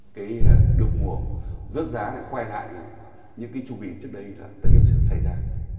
cái được mùa rớt giá lại quay lại những cái chu kỳ trước đây là tất yếu sẽ xảy ra